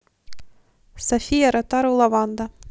софия ротару лаванда